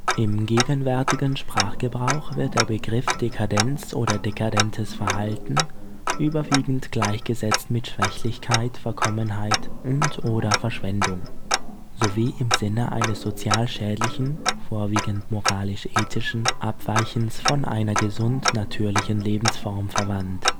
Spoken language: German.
Im gegenwärtigen Sprachgebrauch wird der Begriff Dekadenz oder dekadentes Verhalten überwiegend gleichgesetzt mit Schwächlichkeit, Verkommenheit und/oder Verschwendung sowie im Sinne eines sozial schädlichen (vorwiegend moralisch-ethischen) Abweichens von einer gesund-natürlichen Lebensform verwandt